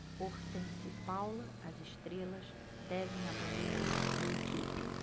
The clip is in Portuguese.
hortência e paula as estrelas devem abandonar a equipe